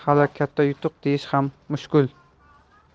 hali katta yutuq deyish ham mushkul